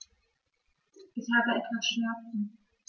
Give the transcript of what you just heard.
Ich habe etwas Schmerzen.